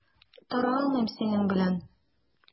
Тора алмыйм синең белән.